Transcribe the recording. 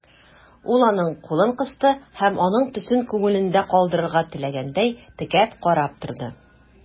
Ул аның кулын кысты һәм, аның төсен күңелендә калдырырга теләгәндәй, текәп карап торды.